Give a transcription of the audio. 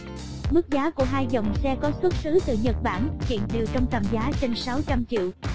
mức giá của dòng xe đều có xuất xứ từ nhật bản và hiện đều trong tầm giá trên triệu